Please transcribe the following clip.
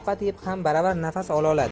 ovqat yeb ham baravar nafas ololadi